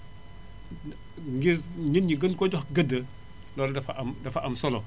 ngir nit ñi gën koo jox gëdd loolu dafa am dafa am solo